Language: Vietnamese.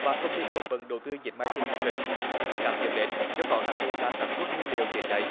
và công ty cổ phần đầu tư dệt may thiên an thịnh tại các điểm đến do có đặc thù là sản xuất nguyên liệu dễ cháy